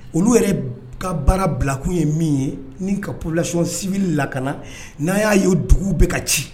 Olu yɛrɛ ka baara bilakun ye min ye ni ka placon sibi lakana n'a y'a ye dugu bɛ ka ci